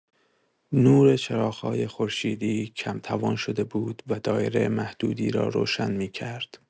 نور چراغ‌های خورشیدی کم‌توان شده بود و دایره محدودی را روشن می‌کرد.